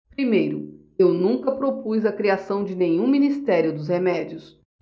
primeiro eu nunca propus a criação de nenhum ministério dos remédios